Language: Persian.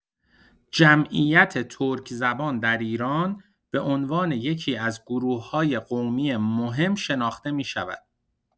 جمعیت ترک‌زبان در ایران به عنوان یکی‌از گروه‌های قومی مهم شناخته می‌شود.